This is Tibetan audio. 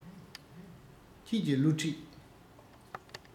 ཁྱེད ཀྱི བསླུ བྲིད